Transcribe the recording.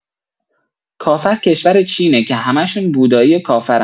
کافر کشور چینه، که همشون بودایی و کافرن